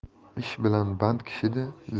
ish bilan band kishida